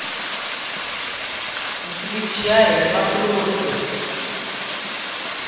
отвечай на вопросы